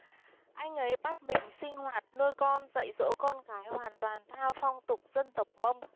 anh ấy bắt mình sinh hoạt nuôi con dạy dỗ con cái hoàn toàn theo phong tục dân tộc mông